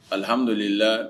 Alihamidulila